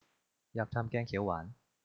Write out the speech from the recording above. อยากทำแกงเขียวหวาน